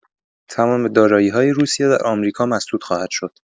تمام دارایی‌های روسیه در آمریکا مسدود خواهد شد.